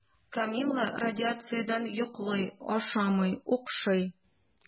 Камилла радиациядән йоклый, ашамый, укшый.